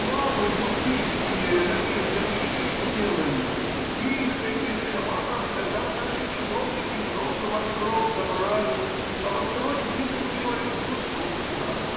ламы буддийские на них гонение сделали,— их, этих шаманов, тогда наши чиновники много в острог забрали, а в остроге дикому человеку скучно